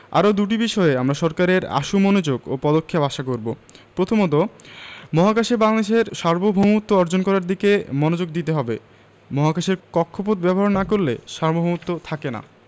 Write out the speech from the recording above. আরও দুটি বিষয়ে আমরা সরকারের আশু মনোযোগ ও পদক্ষেপ আশা করব প্রথমত মহাকাশে বাংলাদেশের সার্বভৌমত্ব অর্জন করার দিকে মনোযোগ দিতে হবে মহাকাশের কক্ষপথ ব্যবহার না করলে সার্বভৌমত্ব থাকে না